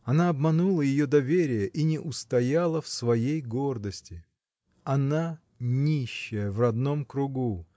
Она обманула ее доверие и не устояла в своей гордости! Она — нищая в родном кругу.